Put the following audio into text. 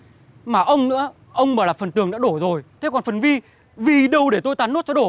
mà ông nữa ông bảo là phần tường đã đổ rồi thế còn phần vy vy đâu để tôi tán nốt cho đổ